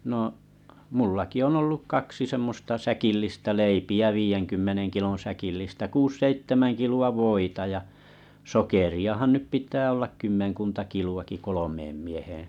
no minullakin on ollut kaksi semmoista säkillistä leipiä viidenkymmenen kilon säkillistä kuusi seitsemän kiloa voita ja sokeriahan nyt pitää olla kymmenkunta kiloakin kolmeen mieheen